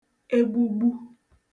egbugbu